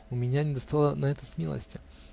У меня недоставало на это смелости.